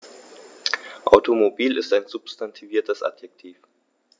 Automobil ist ein substantiviertes Adjektiv.